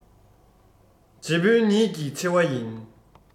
རྗེ དཔོན ཉིད ཀྱི ཆེ བ ཡིན